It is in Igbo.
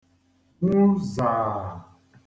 nwu zàà